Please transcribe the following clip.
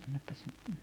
annapas